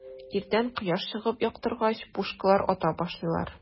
Иртән кояш чыгып яктыргач, пушкалар ата башлыйлар.